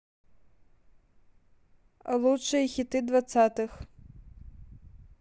лучшие хиты двадцатых